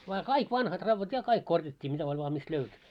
vaan kaikki vanhat raudat ja kaikki korjattiin mitä oli vain mistä löytyi